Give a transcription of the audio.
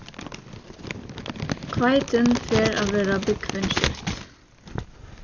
hveitin fer at vera búgvin skjótt